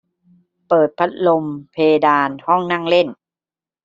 เปิดพัดลมเพดานห้องนั่งเล่น